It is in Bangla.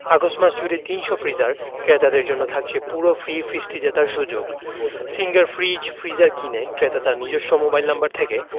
আগস্ট মাস জুড়ে ৩০০ ফ্রিজার ক্রেতাদের জন্য থাকছে পুরো ফ্রি ফ্রিজটি জেতার সুযোগ সিঙ্গার ফ্রিজ ফ্রিজার কিনে ক্রেতা তার নিজস্ব মোবাইল নম্বর থেকে